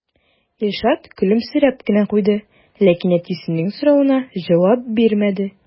Илшат көлемсерәп кенә куйды, ләкин әтисенең соравына җавап бирмәде.